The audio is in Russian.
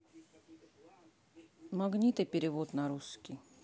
магниты перевод на русский